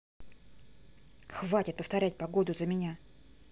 хватит повторять погоду за меня